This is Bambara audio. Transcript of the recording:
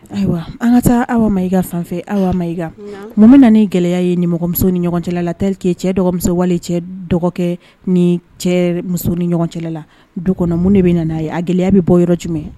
Ayiwa an ka taa aw ma i ka fanfɛ aw ma i mama na ni gɛlɛya ye ɲɛmɔgɔmuso ni ɲɔgɔn cɛla la tlike cɛ dɔgɔmuso wale cɛ dɔgɔkɛ ni cɛmuso ni ɲɔgɔn cɛ la du kɔnɔ mun de bɛ na a ye a gɛlɛya bɛ bɔ yɔrɔ jumɛn